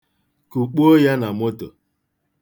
Kukpuo ya na moto.